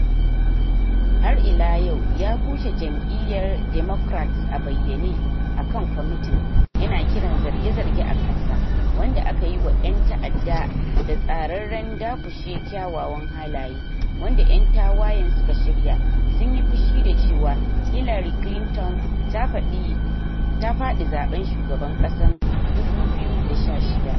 Har ila yau, ya kushe jam'iyyar Democrat a bayyane akan kwamitin, yana kiran zarge-zarge a kansa "wanda aka yi wa' yan ta'adda, da tsararren dakushe kyawawan halaye", wanda' yan tawayen suka shirya, sun yi fushi da cewa, Hillary Clinton ta fadi zaben shugaban kasar 2016.